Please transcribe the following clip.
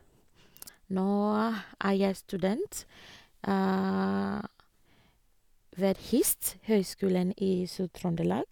Nå er jeg student ved HiST, Høgskolen i Sør-Trøndelag.